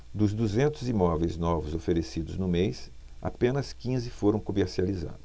dos duzentos imóveis novos oferecidos no mês apenas quinze foram comercializados